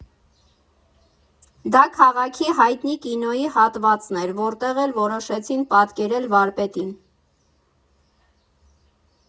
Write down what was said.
Դա քաղաքի հայտնի կինոյի հատվածն էր, որտեղ էլ որոշեցին պատկերել վարպետին։